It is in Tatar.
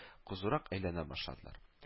Кызурак әйләнә башладылар